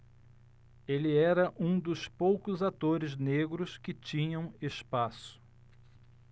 ele era um dos poucos atores negros que tinham espaço